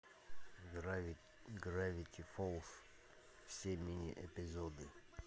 гравити фолз все мини эпизоды